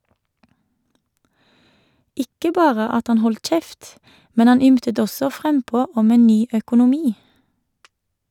Ikke bare at han holdt kjeft, men han ymtet også frempå om en ny økonomi.